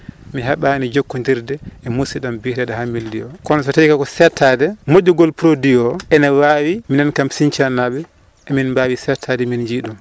mi heeɓani jokkodirde e musidɗam biyeteɗo Hamidou Ly o kono sa tawi kay ko settade mo??ugol produit o ene wawi mienen kam Sinthiane naɗe emin mbawi settade min jiiɗum